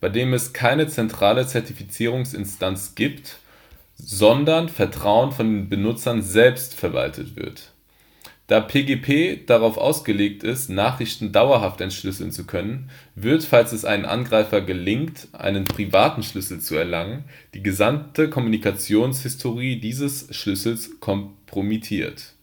dem es keine zentrale Zertifizierungsinstanz gibt, sondern Vertrauen von den Benutzern selbst verwaltet wird. Da PGP darauf ausgelegt ist, Nachrichten dauerhaft entschlüsseln zu können, wird, falls es einem Angreifer gelingt, einen privaten Schlüssel zu erlangen, die gesamte Kommunikationshistorie dieses Schlüssels kompromittiert